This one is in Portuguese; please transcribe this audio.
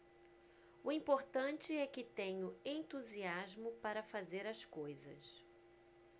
o importante é que tenho entusiasmo para fazer as coisas